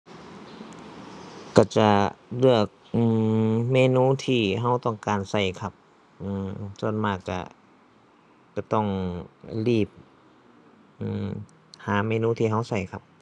ก็จะเลือก อืม เมนูที่ก็ต้องการก็ครับ อืม ส่วนมากก็ ก็ต้องรีบ อืม หาเมนูที่ก็ก็ครับ